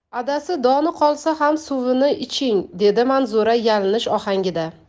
adasi doni qolsa ham suvini iching dedi manzura yalinish ohangida